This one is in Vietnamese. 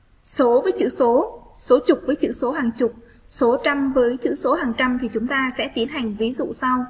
số có chữ số số chục với chữ số hàng chục số trăm với chữ số hàng trăm thì chúng ta sẽ tiến hành ví dụ sau